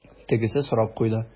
Тегесе сорап куйды: